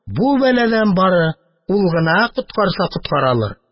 Бу бәладән бары ул гына коткарса коткара алыр